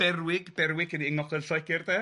Berwig, berwig yn ei ngogledd yn Lloegr de?